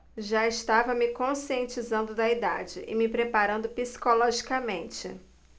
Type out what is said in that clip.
já estava me conscientizando da idade e me preparando psicologicamente